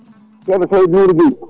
ceerno Saydou Guro Guéye